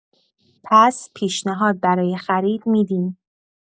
پس پیشنهاد برای خرید می‌دین